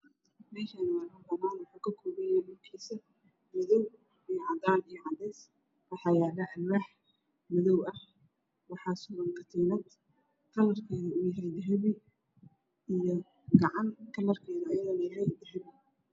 Meeshaan waa meel banaan ka kooban yahay dhulkiisa madow iyo cadaan, cadeys waxaa yaalo alwaax madow ah waxaa suran katiinad kalarkeedu uu yahay dahabi iyo gacan ayadana kalarkeedu uu yahay dahabi.